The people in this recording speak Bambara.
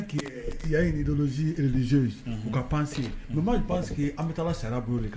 Ya ye ni zo u ka panse mɛ panse an bɛ taa sara bi kan